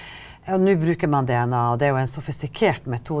og nå bruker man DNA og det er jo en sofistikert metode.